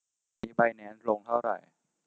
วันนี้ไบแนนซ์ลงเท่าไหร่